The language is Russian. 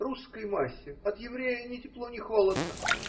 русской массе, от еврея ни тепло, ни холодно.